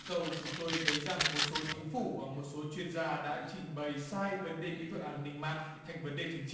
cầu chúng tôi thấy rằng một số chính phủ và một số chuyên gia đã trình bày sai vấn đề kỹ thuật an ninh mạng thành vấn đề chính trị